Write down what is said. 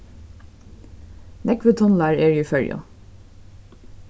nógvir tunlar eru í føroyum